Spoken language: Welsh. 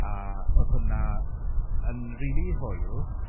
A oedd hwnna yn rili hwyl.